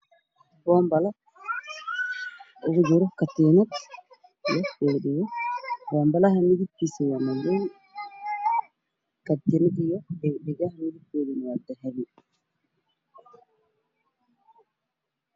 Pombalo ku jiraan ka tianad iyo tobanbal ah midabkiisu waa caddaan katiinada waa madow dhagandhig ah wada habi